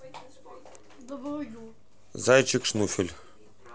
зайчик шнуфель